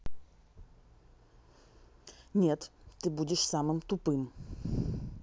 нет ты будешь самым тупым